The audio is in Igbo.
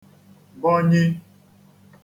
bọnyī